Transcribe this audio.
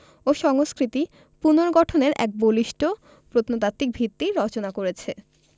ও সংস্কৃতি পুনর্গঠনে এক বলিষ্ঠ প্রত্নতাত্ত্বিক ভিত্তি রচনা করেছে